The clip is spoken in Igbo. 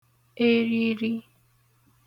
eriri